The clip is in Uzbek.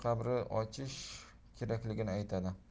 qabrini ochish kerakligini aytadi